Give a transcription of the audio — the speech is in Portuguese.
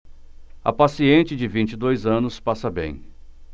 a paciente de vinte e dois anos passa bem